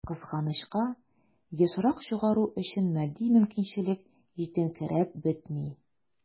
Кызганычка, ешрак чыгару өчен матди мөмкинчелек җитенкерәп бетми.